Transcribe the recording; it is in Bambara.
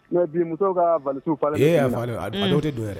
Bi musow ka' la don dɛ